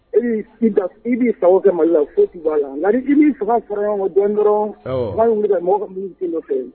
E'i sinta i b'i sago kɛ mali la fo b'a la nka ni ji saba fara ɲɔgɔn ma jɔn dɔrɔn kuma bɛ mɔgɔ ka minnu fɛ yen